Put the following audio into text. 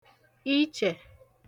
ichẹ̀